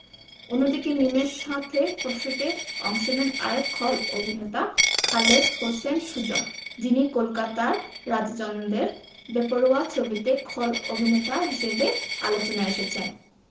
অন্যদিকে মিমের সাথে ফটশুটে অংশ নেন আরেক খল অভিনেতা খালেদ হোসেন সুজন যিনি কলকাতার রাজা চন্দের বেপরোয়া ছবিতে খল অভিননেতা হিসেবে আলোচনায় এসেছেন